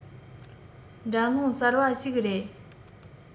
འགྲན སློང གསར པ ཞིག རེད